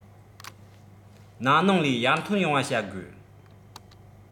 ན ནིང ལས ཡར ཐོན ཡོང བ བྱ དགོས